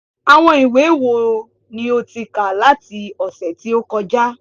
Àwọn ìwé wo ni o ti ń kà láti ọ̀sẹ̀ tí ó kọjá?